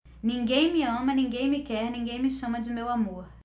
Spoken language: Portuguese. ninguém me ama ninguém me quer ninguém me chama de meu amor